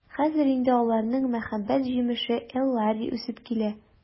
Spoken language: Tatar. Хәзер инде аларның мәхәббәт җимеше Эллари үсеп килә.